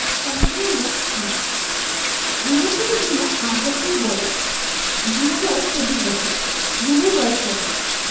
সমস্যা নম্বর ৮ রুমুর থেকে ঝুমু ৮ বছরের বড় ঝুমুর বয়স ২৪ বছর রুমুর বয়স কত